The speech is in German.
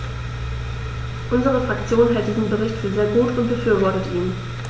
Unsere Fraktion hält diesen Bericht für sehr gut und befürwortet ihn.